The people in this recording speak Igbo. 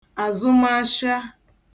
àzụmashwa